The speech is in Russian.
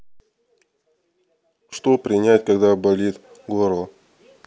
что принять когда болит горло